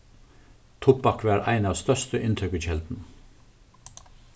tubbak var ein av størstu inntøkukeldunum